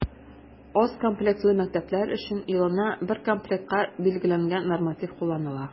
Аз комплектлы мәктәпләр өчен елына бер комплектка билгеләнгән норматив кулланыла.